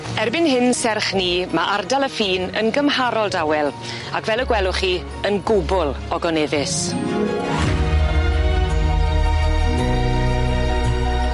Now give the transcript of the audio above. Erbyn hyn serch 'ny, ma' ardal y ffin yn gymharol dawel ac fel y gwelwch chi, yn gwbwl ogoneddus.